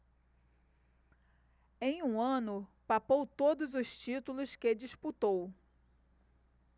em um ano papou todos os títulos que disputou